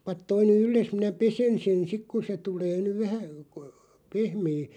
pane tuo nyt yllesi minä pesen sen sitten kun se tulee nyt vähän - pehmeä